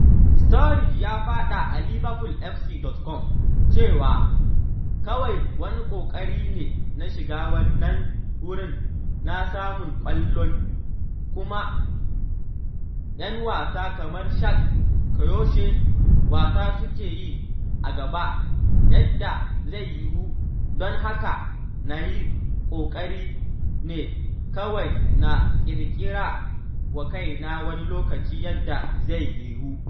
Sturridge ya faɗa a LiverpoolFC.com cewa “Kawai wani ƙoƙari ne na shiga wannan wurin, na samun ƙwallon kuma ‘yan wasa kamar Shaq koyaushe wasa suke yi a gaba yadda zai yiwu, don haka na yi ƙoƙari ne kawai na ƙirƙira wa kaina wani lokaci yadda zai yiwu.”